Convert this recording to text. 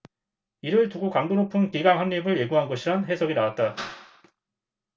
이를 두고 강도 높은 기강 확립을 예고한 것이란 해석이 나왔다